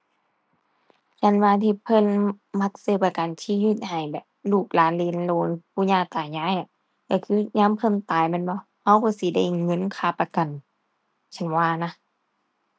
ฉันว่าที่เพิ่นมักซื้อประกันชีวิตให้แบบลูกหลานเหลนโหลน ปู่ย่าตายายอะ ก็คือยามเพิ่นตายแม่นบ่ ก็ก็สิได้เงินค่าประกัน ฉันว่านะ